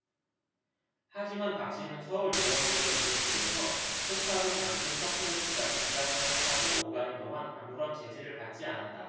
하지만 박씨는 서울 노원구에 있는 집에서 송파구 잠실 석촌호수까지 지하철을 타고 오가는 동안 아무런 제지를 받지 않았다